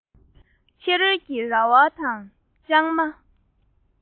ཕྱི རོལ གྱི རི བོ དང གཙང པོ